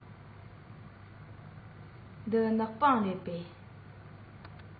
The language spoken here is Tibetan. དེ ནི དབྱིན ཇིའི ས ཁོངས ཤིག ཡིན ཞིང ས ཐག རིང པོ མེད པས